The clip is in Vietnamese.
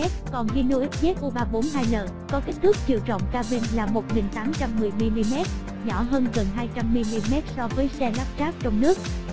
hino xzu l có kích thước chiều rộng cabin là mm nhỏ hơn gần mm so với xe lắp ráp trong nước